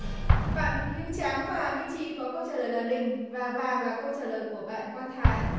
bạn hữu tráng và minh trí có câu trả lời là đình và vàng là câu trả lời của bạn quang thái